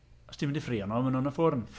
Os ti'n mynd i ffrio nhw, maen nhw'n y ffwrn.